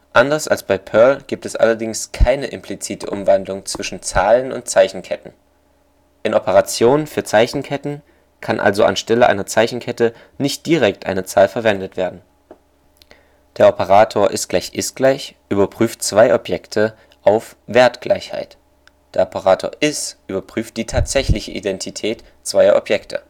Anders als bei Perl gibt es allerdings keine implizite Umwandlung zwischen Zahlen und Zeichenketten; in Operationen für Zeichenketten kann also anstelle einer Zeichenkette nicht direkt eine Zahl verwendet werden. Der Operator == überprüft zwei Objekte auf (Wert -) Gleichheit. Der Operator is überprüft die tatsächliche Identität zweier Objekte